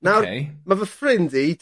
Nawr... Oce. ...ma' fy ffrind i...